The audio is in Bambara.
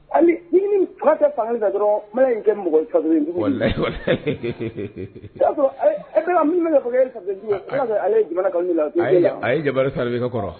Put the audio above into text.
Kɛ fan dɔrɔn mana in kɛ e minnu ale jamana la a ye ja sarakɛ kɔrɔ